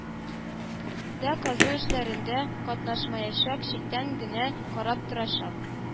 Дә, казу эшләрендә катнашмаячак, читтән генә карап торачак